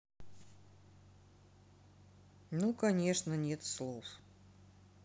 ну конечно не то слов